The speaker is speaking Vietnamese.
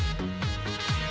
hình